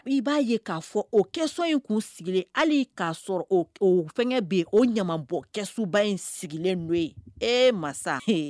I b'a ye k'a fɔ o kɛsɔn in kun sigilen hali k'a sɔrɔ o o fɛn bɛ yen o ɲamabɔ kɛsuba in sigilen n'o ye e masa